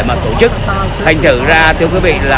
để mà tổ chức thành thử ra thưa quý vị là